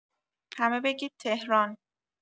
همه بگید تهران